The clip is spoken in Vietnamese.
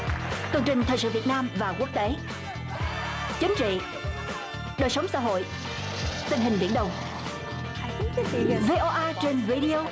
tường trình thời sự việt nam và quốc tế chính trị đời sống xã hội tình hình biển đông vê o a trên rây đi ô